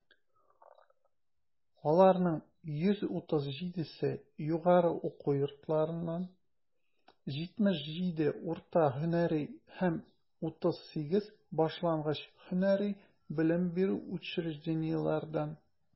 Аларның 137 се - югары уку йортларыннан, 77 - урта һөнәри һәм 38 башлангыч һөнәри белем бирү учреждениеләреннән.